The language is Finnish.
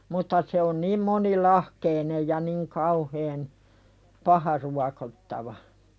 mutta se on niin monilahkeinen ja niin kauhean paha ruokottava